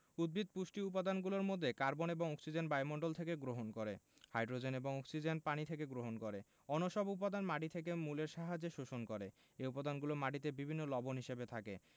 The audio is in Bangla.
উদ্ভিদ পুষ্টি উপাদানগুলোর মধ্যে কার্বন এবং অক্সিজেন বায়ুমণ্ডল থেকে গ্রহণ করে হাই্ড্রোজেন এবং অক্সিজেন পানি থেকে গ্রহণ করে অন্যসব উপাদান মাটি থেকে মূলের সাহায্যে শোষণ করে এ উপাদানগুলো মাটিতে বিভিন্ন লবণ হিসেবে থাকে